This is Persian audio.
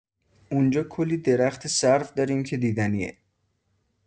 اونجا کلی درخت سرو داریم که دیدنیه.